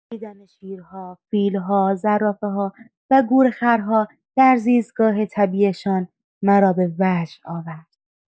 دیدن شیرها، فیل‌ها، زرافه‌ها و گورخرها در زیستگاه طبیعی‌شان، مرا به وجد آورد.